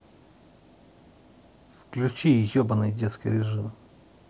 включи ебаный детский режим